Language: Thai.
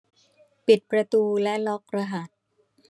ปิดประตูและล็อกรหัส